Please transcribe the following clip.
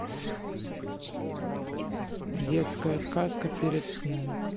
детская сказка перед сном